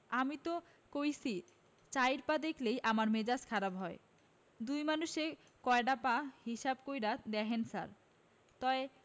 আমি তো কইছিই চাইর পা দেখলেই আমার মেজাজ খারাপ হয় দুই মানুষে কয়ডা পা হিসাব কইরা দেখেন ছার তয়